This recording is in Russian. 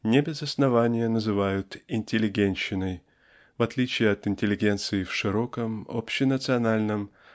не без основания называют "интеллигентщиной" в отличие от интеллигенции в широком общенациональном